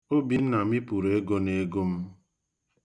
Obinna mịpụrụ ego n'ego m.